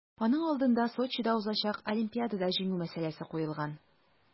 Аның алдына Сочида узачак Олимпиадада җиңү мәсьәләсе куелган.